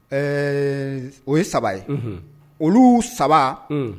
Ɛɛ o ye saba ye olu saba